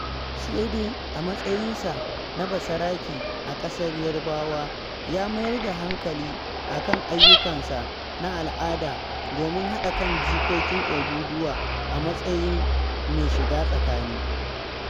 Sai dai, a matsayinsa na basarake a ƙasar Yarbawa, ya mayar da hankali a kan ayyukansa na al'ada domin haɗa kan jikokin Odùduwa a matsayin mai shiga tsakani.